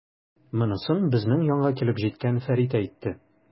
Монысын безнең янга килеп җиткән Фәрит әйтте.